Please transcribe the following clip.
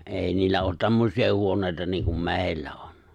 ei niillä ole tämmöisiä huoneita niin kuin meillä on